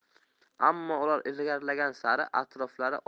ammo ular ilgarilagan sari atroflari